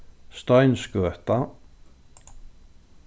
steinsgøta